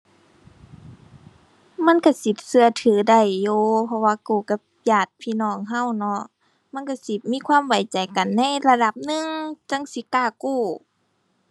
มันก็สิก็ถือได้อยู่ เพราะว่ากู้กับญาติพี่น้องก็เนาะ มันก็สิมีความไว้ใจกันในระดับหนึ่ง จั่งสิกล้ากู้